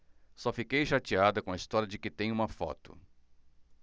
só fiquei chateada com a história de que tem uma foto